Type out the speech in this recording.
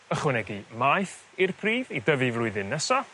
ychwanegu maeth i'r pridd i dyfu flwyddyn nesa